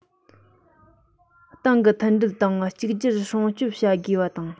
ཏང གི མཐུན སྒྲིལ དང གཅིག གྱུར སྲུང སྐྱོང བྱ དགོས པ དང